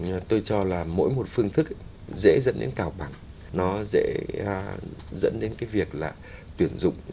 tôi cho là mỗi một phương thức í dễ dẫn đến tào bạo nó dễ à dẫn đến cái việc là tuyển dụng